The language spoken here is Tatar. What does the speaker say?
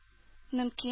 Мөмкин